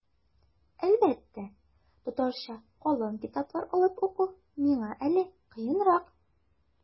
Әлбәттә, татарча калын китаплар алып уку миңа әле кыенрак.